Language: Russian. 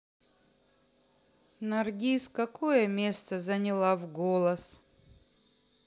наргиз какое место заняла в голос